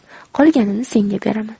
qolganini senga beraman